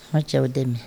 Aw cɛw bɛ thé min wa?